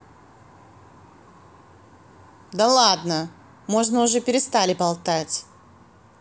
да ладно можно уже перестали болтать